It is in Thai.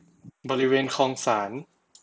บริเวณคลองสาร